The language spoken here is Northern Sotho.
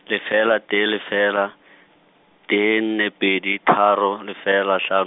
lefela tee lefela, tee nne pedi tharo lefela hlan-.